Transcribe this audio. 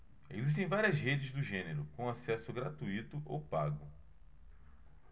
existem várias redes do gênero com acesso gratuito ou pago